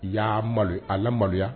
Ya malo a maloya